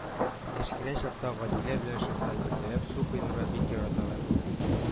Кечкенә чакта Гадилә белән Шөһрәт бергәләп су коенырга бик яраталар иде